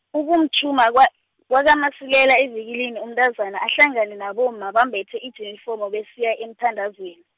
ukumthuma kwa, kwakaMasilela evikilini umntazana ahlangane nabomma bambethe ijinifomu basiya emthandazweni.